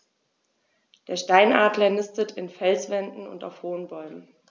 Der Steinadler nistet in Felswänden und auf hohen Bäumen.